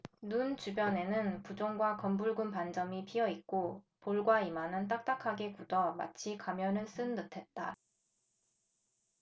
눈 주변에는 부종과 검붉은 반점이 피어 있고 볼과 이마는 딱딱하게 굳어 마치 가면을 쓴 듯했다